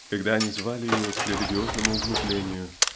когда они звали ее к религиозному углублению